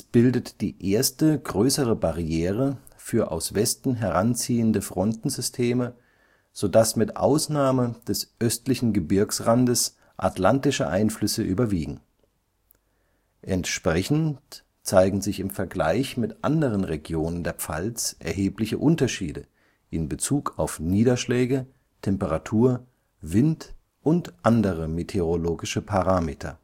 bildet die erste größere Barriere für aus Westen heranziehende Frontensysteme, so dass mit Ausnahme des östlichen Gebirgsrandes atlantische Einflüsse überwiegen. Entsprechend zeigen sich im Vergleich mit anderen Regionen der Pfalz erhebliche Unterschiede in Bezug auf Niederschläge, Temperatur, Wind und andere meteorologische Parameter